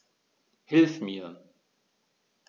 Hilf mir!